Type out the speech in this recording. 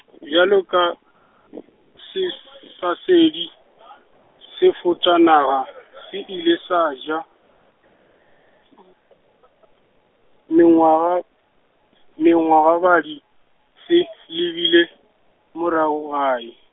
bjalo ka, ses- -sasedi, sefatonaga- se ile sa ja , mengwaga, mengwaga baedi, se lebile, morago gae.